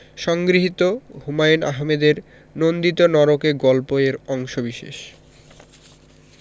সংগৃহীত হুমায়ুন আহমেদের নন্দিত নরকে গল্প এর অংশবিশেষ